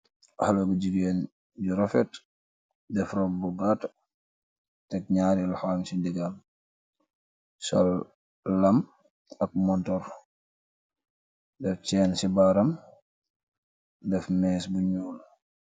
Haleh bu gigain ju rafet deff rohbb bu gaataah, tek njaari lokhom chi ndigam, sol lamm ak montorre, def chain ci baaram, deff meeche bu njull.